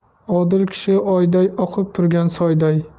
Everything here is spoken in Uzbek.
odil kishi oyday oqib turgan soyday